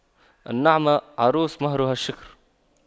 النعمة عروس مهرها الشكر